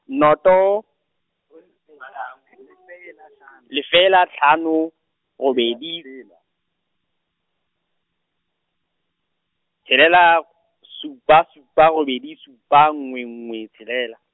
noto, lefela hlano, robedi, tshelela, supa supa robedi supa nngwe nngwe tshelela.